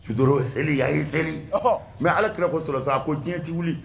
Su selieli a ye seli mɛ ala kirara ko sɔsɔ ko diɲɛ tɛ wuli